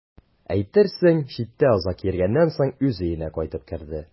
Әйтерсең, читтә озак йөргәннән соң үз өенә кайтып керде.